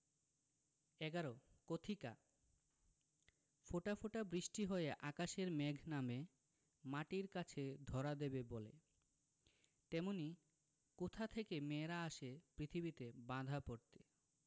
১১ কথিকা ফোঁটা ফোঁটা বৃষ্টি হয়ে আকাশের মেঘ নামে মাটির কাছে ধরা দেবে বলে তেমনি কোথা থেকে মেয়েরা আসে পৃথিবীতে বাঁধা পড়তে